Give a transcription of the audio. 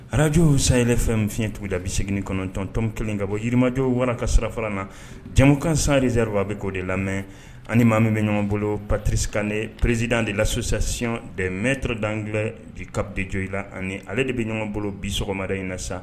Ararajow sanyfɛn fiɲɛtigiw da bi segin9tɔntɔn kelen ka bɔ yirimajɔo wara ka sirara na jamukan sanrizeyur a bɛ k'o de lamɛn ani maa min bɛ ɲɔgɔn bolo paprisikan ni preerezsid de lasosisiyɔn demɛr dan bi kadi jo la ani ale de bɛ ɲɔgɔnbolo bi sɔgɔmada in na sa